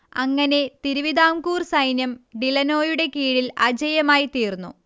അങ്ങനെ തിരുവിതാംകൂർ സൈന്യം ഡിലനോയുടെ കീഴിൽ അജയ്യമായിത്തീർന്നു